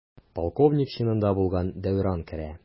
Полковник чинында булган Дәүран керә.